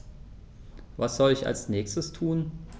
Was soll ich als Nächstes tun?